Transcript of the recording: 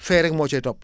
fay rek moo cay topp